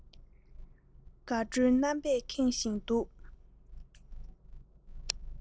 དགའ སྤྲོའི རྣམ པས ཁེངས བཞིན འདུག